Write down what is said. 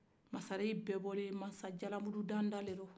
masarenw bɛɛ bɔra masajalamurudanda de la